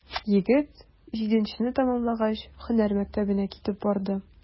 Егет, җиденчене тәмамлагач, һөнәр мәктәбенә китеп барды.